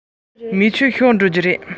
གློག བརྙན འདི རིགས བལྟས ཚེ